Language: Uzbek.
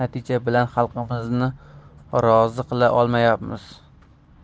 natija bilan xalqimizni rozi qila olmaymiz